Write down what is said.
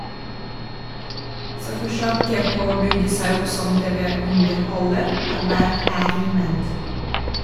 Så forsøket på å bygge seg opp som TV-underholder har vært ærlig ment.